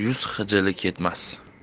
yuz xijili ketmas